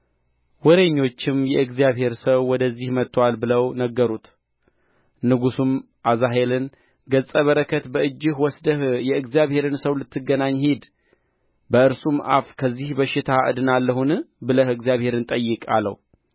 ወሬኞችም የእግዚአብሔር ሰው ወደዚህ መጥቶአል ብለው ነገሩት ንጉሡም አዛሄልን ገጸ በረከት በእጅህ ወስደህ የእግዚአብሔርን ሰው ልትገናኝ ሂድ በእርሱም አፍ ከዚህ በሽታ እድናለሁን ብለህ እግዚአብሔርን ጠይቅ አለው